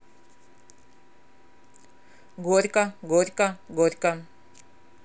горько горько горько